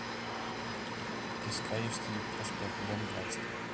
пискаревский проспект дом двадцать